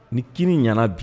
Ni ki ɲɛna bi